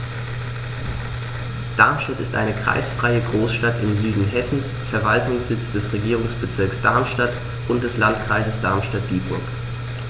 Darmstadt ist eine kreisfreie Großstadt im Süden Hessens, Verwaltungssitz des Regierungsbezirks Darmstadt und des Landkreises Darmstadt-Dieburg.